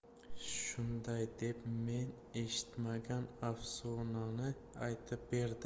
shunday deb men eshitmagan afsonani aytib berdi